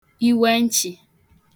iwe nchị̀